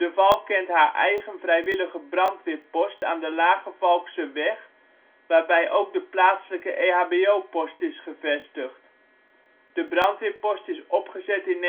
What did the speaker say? Valk kent haar eigen vrijwillige brandweer-post aan de Lage Valkseweg, waarbij ook de plaatselijke EHBO-post is gevestigd. De brandweerpost is opgezet in